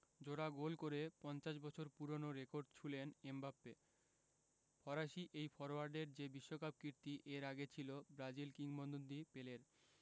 জোড়া গোল করে ৫০ বছর পুরোনো রেকর্ড ছুঁলেন এমবাপ্পে ফরাসি এই ফরোয়ার্ডের যে বিশ্বকাপ কীর্তি এর আগে ছিল ব্রাজিল কিংবদন্তি পেলের